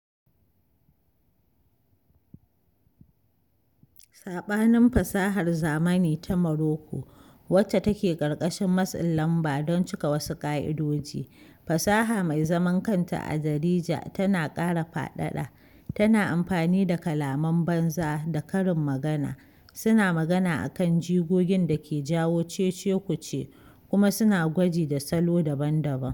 Saɓanin fasahar zamani ta Moroko, wacce take ƙarƙashin matsin lamba don cika wasu ƙa’idoji, fasaha mai zaman kanta a Darija tana ƙara faɗaɗa, tana amfani da kalaman banza da karin magana, suna magana akan jigogin da ke jawo cecekuce, kuma suna gwaji da salo daban-daban.